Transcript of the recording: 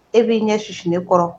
E b'i ɲɛ susue kɔrɔ